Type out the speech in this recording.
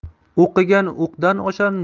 o'qigan o'qdan oshar